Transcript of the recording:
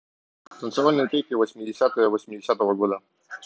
танцевальные треки восемнадцатого восемнадцатого года